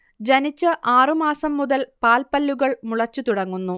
ജനിച്ച് ആറുമാസം മുതൽ പാൽപ്പല്ലുകൾ മുളച്ചുതുടങ്ങുന്നു